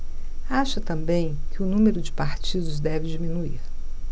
acha também que o número de partidos deve diminuir